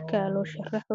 wadato